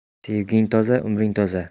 sevging toza umring toza